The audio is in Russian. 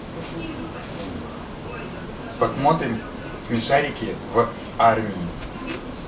посмотрим смешарики в армии